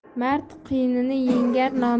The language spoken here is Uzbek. mard qiyinni yengar